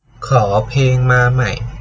ขอเพลงมาใหม่